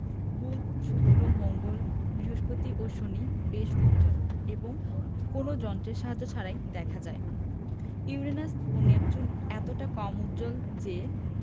গ্রহদের মধ্যে সবচেয়ে বড় বৃহস্পতি এবং ছোট বুধ বুধ শুক্র মঙ্গল বৃহস্পতি ও শনি বেশ উজ্জ্বল এবং কোনো যন্ত্রের সাহায্য ছাড়াই দেখা যায় ইউরেনাস ও নেপচুন এতটা কম উজ্জ্বল যে